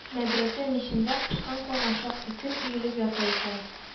Мәдрәсә мичендә кыштан калган шактый көл өелеп ята икән